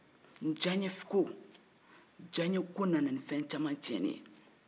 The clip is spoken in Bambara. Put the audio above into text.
n diyaye ko diyayeko nana fɛn caman tiɲɛni ye